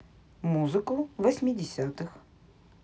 музыку восьмидесятых